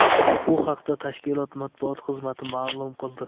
bu haqda tashkilot matbuot xizmati ma'lum qildi